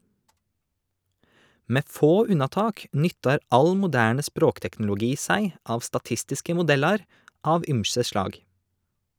Med få unnatak nyttar all moderne språkteknologi seg av statistiske modellar av ymse slag.